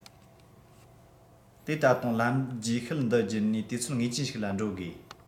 དེ ད དུང ལམ རྗེས ཤུལ འདི བརྒྱུད ནས དུས ཚོད ངེས ཅན ཞིག ལ འགྲོ དགོས